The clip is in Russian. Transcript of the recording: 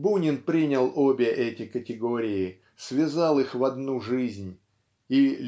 Бунин принял обе эти категории связал их в одну жизнь и